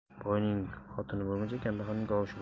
boyning xotini bo'lguncha kambag'alning kavushi bo'l